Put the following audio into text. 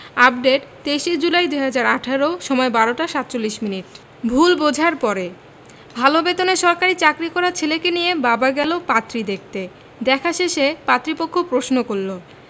update ২৩ July ২০১৮ সময় ১২টা ৪৭ minute ভুল বোঝার পরে ভালো বেতনে সরকারি চাকরি করা ছেলেকে নিয়ে বাবা গেল পাত্রী দেখতে দেখা শেষে পাত্রীপক্ষ প্রশ্ন করল